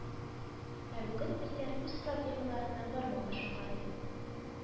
Ә бүген ирләр үз проблемаларына бармак аша карый